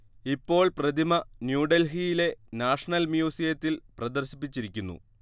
ഇപ്പോൾ പ്രതിമ ന്യൂഡൽഹിയിലെ നാഷണൽ മ്യൂസിയത്തിൽ പ്രദർശിപ്പിച്ചിരിക്കുന്നു